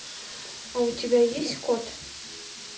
а у тебя есть кот